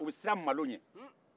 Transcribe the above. u bɛ siran malo ɲɛ